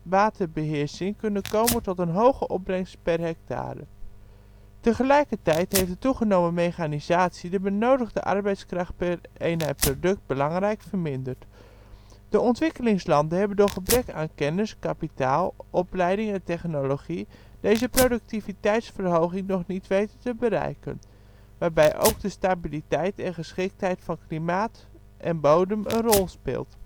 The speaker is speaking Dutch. waterbeheersing kunnen komen tot een hoge opbrengst per hectare. Tegelijkertijd heeft de toegenomen mechanisatie de benodigde arbeidskracht per eenheid product belangrijk verminderd. De ontwikkelingslanden hebben door gebrek aan kennis, kapitaal, opleiding en technologie deze productiviteitsverhoging nog niet weten te bereiken, waarbij ook de stabiliteit en geschiktheid van klimaat en bodem een rol speelt